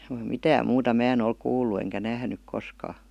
- mitään muuta minä en ole kuullut enkä nähnyt koskaan